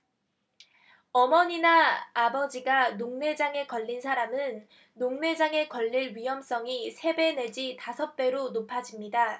어머니나 아버지가 녹내장에 걸린 사람은 녹내장에 걸릴 위험성이 세 배 내지 다섯 배로 높아집니다